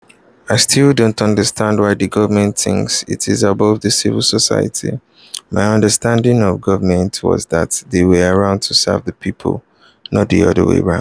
I still don't understand why the government thinks it is above the civil society, my understanding of governments was that they were around to serve the people not the other way around.